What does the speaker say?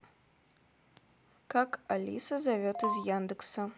как алиса зовет из яндекса